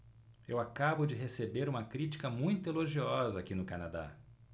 eu acabo de receber uma crítica muito elogiosa aqui no canadá